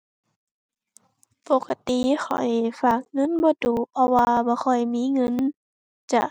ปกติข้อยฝากเงินบ่ดู๋ เพราะว่าบ่ค่อยมีเงินจ้ะ